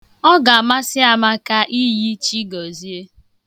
Ọ ga-amasị Amaka iyi Chigozie.